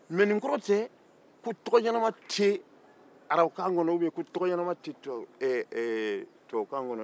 mɛ nin kɔrɔ tɛ ko tɔgɔ ɲɛnama tɛ arabukan ni tubabukan kɔnɔ